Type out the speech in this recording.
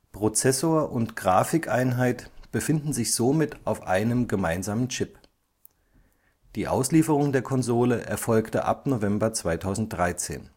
Prozessor und Grafikeinheit befinden sich somit auf einem gemeinsamen Chip. Die Auslieferung der Konsole erfolgte ab November 2013